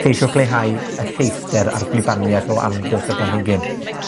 ceisiwch leihau y lleithder ar gwlybaniaeth o amgylch y planhigyn.